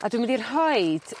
A dwi mynd i' r rhoid